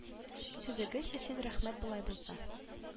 Сүзегез өсен рәхмәт болай булса